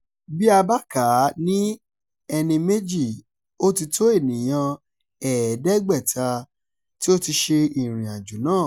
Bí a bá kà á ní ẹníméjì, ó ti tó ènìyàn 500 tí ó ti ṣe ìrìnàjò náà.